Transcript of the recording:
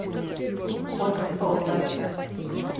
хоть кто то